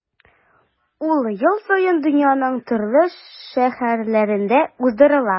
Ул ел саен дөньяның төрле шәһәрләрендә уздырыла.